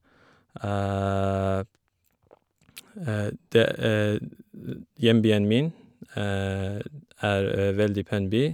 det Hjembyen min er veldig pen by.